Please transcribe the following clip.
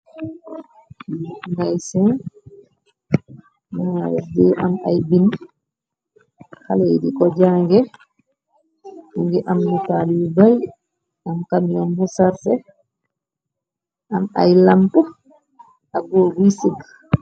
Nday si mungi am ay bin xale di ko jange ngi am nataal yu bay am camion bu sarse an ay lamp akguo guy sigg.